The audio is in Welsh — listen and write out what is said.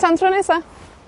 tan tro nesa!